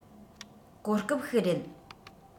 གོ སྐབས ཤིག རེད